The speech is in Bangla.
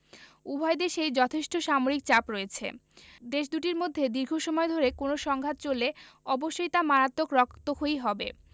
উভয় দেশেই যথেষ্ট সামরিক চাপ রয়েছে দেশ দুটির মধ্যে দীর্ঘ সময় ধরে কোনো সংঘাত চললে অবশ্যই তা মারাত্মক রক্তক্ষয়ী হবে